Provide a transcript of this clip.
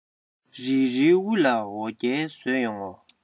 རིལ རིལ དབུ ལ འོ རྒྱལ བཟོས ཡོང ངོ